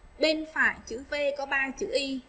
bên phải chữ v có ba chữ y